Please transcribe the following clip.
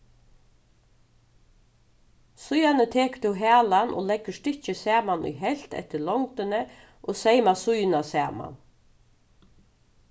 síðani tekur tú halan og leggur stykkið saman í helvt eftir longdini og seyma síðuna saman